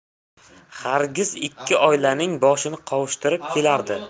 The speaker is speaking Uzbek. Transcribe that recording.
hargiz ikki oilaning boshini qovushtirib kelardi